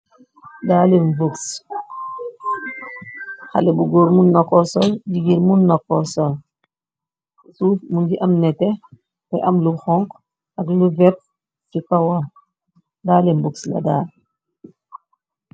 Daal lim bucks, haley bu góor mun nako sol, jigéen mun nako sol. Suuf mungi am nètè, mungi am lu honku ak lu vert chi kawam. Daal li bucks la dal.